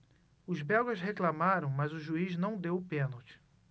os belgas reclamaram mas o juiz não deu o pênalti